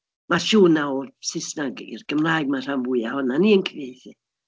Ma' siŵr na o'r Saesneg i'r Gymraeg ma' rhan fwyaf ohonan ni yn cyfieithu.